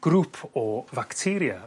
grŵp o facteria